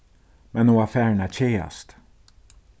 men hon var farin at keðast